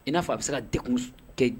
N'a a bɛ se ka de kun